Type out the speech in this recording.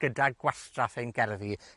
gyda gwastraff ein gerddi.